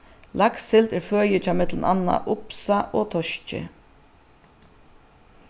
lakssild er føði hjá millum annað upsa og toski